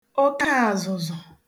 okeàzụ̀zụ̀